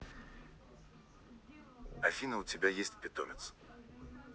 афина у тебя есть питомец